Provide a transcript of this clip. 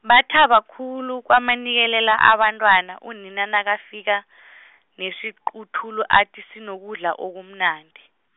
bathaba khulu kwamanikelela abantwana unina nakafika , nesiquthulu athi sinokudla okumnandi.